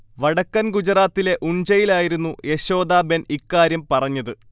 വടക്കൻ ഗുജറാത്തിലെ ഉൺചയിലായിരുന്നു യശോദാ ബെൻ ഇക്കാര്യം പറഞ്ഞത്